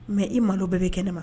Mais i malo bɛɛ bɛ kɛnɛma